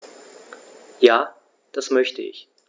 Ja, das möchte ich.